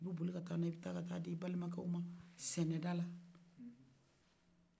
i bɛ boli ka taa na ye i b'itaa ka taa k'ad'i balima kɛw ma sɛnɛdala